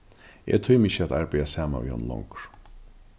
eg tími ikki at arbeiða saman við honum longur